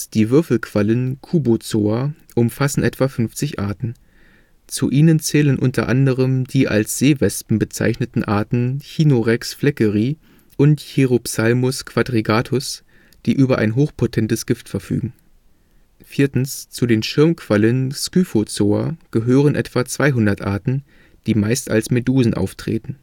Die Würfelquallen (Cubozoa) umfassen etwa 50 Arten. Zu ihnen zählen unter anderem die als Seewespen bezeichneten Arten Chironex fleckeri und Chiropsalmus quadrigatus, die über ein hochpotentes Gift verfügen. Zu den Schirmquallen (Scyphozoa) gehören etwa 200 Arten, die meist als Medusen auftreten